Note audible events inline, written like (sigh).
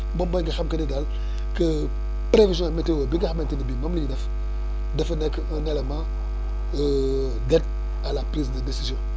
moom mooy nga xam que ne daal (breath) que prévision météo bi nga xamante ne bii moom la ñuy def dafa nekk un élément (hesitation) d' aide à la prise de décision